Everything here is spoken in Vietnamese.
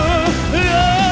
nước